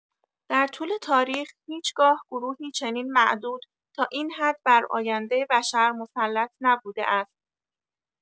در طول تاریخ، هیچ‌گاه گروهی چنین معدود تا این حد بر آینده بشر مسلط نبوده است.